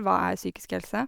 Hva er psykisk helse?